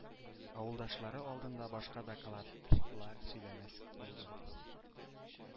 Авылдашлары алдында башка докладлар сөйләмәс булды.